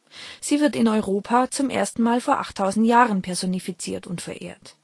Eriu, die in Europa zum ersten Mal vor 8.000 Jahren personifiziert und verehrt